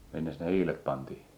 minnes ne hiilet pantiin